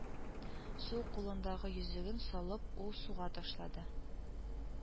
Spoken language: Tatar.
Сул кулындагы йөзеген салып ул суга ташлады